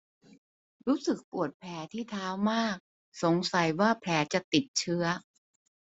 รู้สึกปวดแผลที่เท้ามากสงสัยว่าแผลจะติดเชื้อ